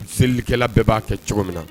Selilikɛla bɛɛ b'a kɛ cogo min na